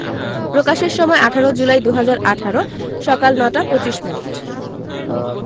প্রকাশের সময় ১৮ জুলাই ২০১৮ সকাল ৯টা ২৫ মিনিট